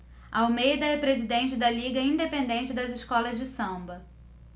almeida é presidente da liga independente das escolas de samba